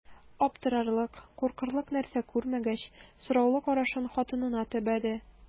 Аптырарлык, куркырлык нәрсә күрмәгәч, сораулы карашын хатынына төбәде.